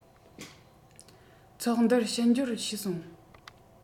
ཚོགས འདུར ཕྱི འབྱོར བྱས སོང